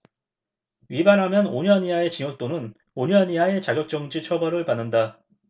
위반하면 오 년 이하의 징역 또는 오 년 이하의 자격정지 처벌을 받는다